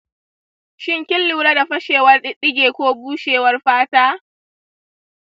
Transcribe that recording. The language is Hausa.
shin kin lura da fashewar diddige ko bushewar fata?